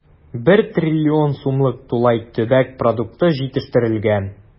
1 трлн сумлык тулай төбәк продукты җитештерелгән.